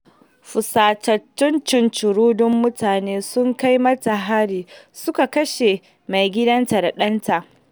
Fusatattun cincirindon mutane sun kai mata hari suka kashe maigidanta da ɗanta.